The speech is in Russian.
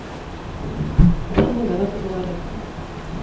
афина давай поговорим